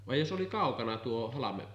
vaan jos oli kaukana tuo halme